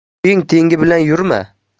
bo'ying tengi bilan yurma